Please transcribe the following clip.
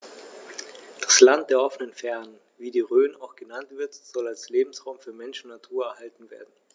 Das „Land der offenen Fernen“, wie die Rhön auch genannt wird, soll als Lebensraum für Mensch und Natur erhalten werden.